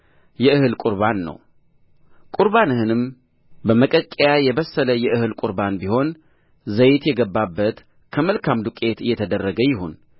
የእህል ቍርባን ነውቍርባንህም በመቀቀያ የበሰለ የእህል ቍርባን ቢሆን ዘይት የገባበት ከመልካም ዱቄት የተደረገ ይሁን